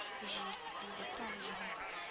Җил, инде таң җиле